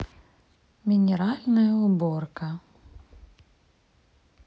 минеральная уборка